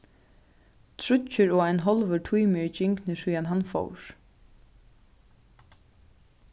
tríggir og ein hálvur tími eru gingnir síðani hann fór